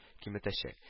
Киметәчәк